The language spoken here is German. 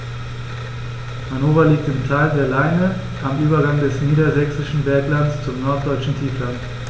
Hannover liegt im Tal der Leine am Übergang des Niedersächsischen Berglands zum Norddeutschen Tiefland.